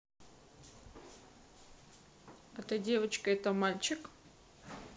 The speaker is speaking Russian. а ты девочка это мальчик